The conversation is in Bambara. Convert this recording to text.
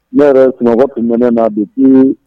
Ne yɛrɛ sunɔgɔ tun bɛ ne na bi fyewu